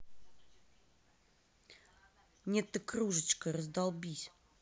нет ты кружечка раздолбись